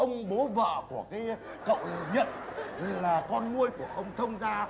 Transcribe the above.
ông bố vợ của cái cậu nhận là con nuôi của ông thông gia